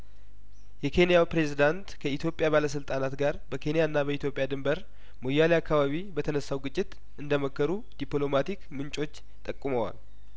የኬንያው ፕሬዝዳንት ከኢትዮጵያ ባለስልጣናት ጋር በኬንያና በኢትዮጵያ ድንበር ሞያሌ አካባቢ በተነሳው ግጭት እንደመከሩ ዲፕሎማቲክ ምንጮች ጠቁመዋል